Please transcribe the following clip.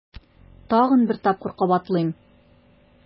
Тагын бер тапкыр кабатлыйм: